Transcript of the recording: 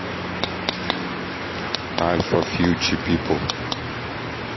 альфа фьючи пипл